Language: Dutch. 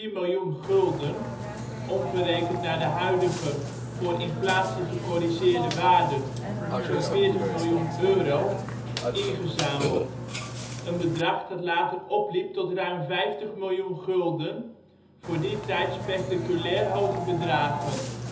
miljoen gulden (omgerekend naar de huidige, voor inflatie gecorrigeerde waarde zo 'n 40 miljoen euro) ingezameld, een bedrag dat later opliep tot ruim 50 miljoen gulden, voor die tijd spectaculair hoge bedragen